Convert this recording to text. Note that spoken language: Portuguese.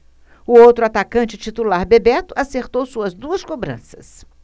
o outro atacante titular bebeto acertou suas duas cobranças